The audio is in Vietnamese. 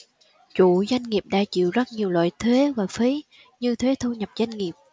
chủ doanh nghiệp đã chịu rất nhiều loại thuế và phí như thuế thu nhập doanh nghiệp